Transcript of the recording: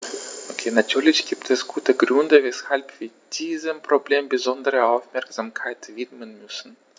Natürlich gibt es gute Gründe, weshalb wir diesem Problem besondere Aufmerksamkeit widmen müssen.